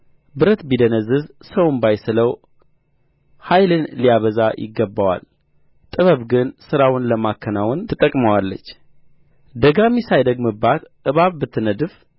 ብረት ቢደነዝዝ ሰውም ባይስለው ኃይልን ሊያበዛ ይገባዋል ጥበብ ግን ሥራውን ለማከናወን ትጠቅመዋለች ደጋሚ ሳይደግምባት እባብ ብትነድፍ